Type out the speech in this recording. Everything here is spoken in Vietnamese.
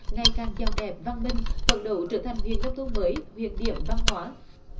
ngày càng giàu đẹp văn minh phấn đấu trở thành huyện nông thôn mới huyện điểm văn hóa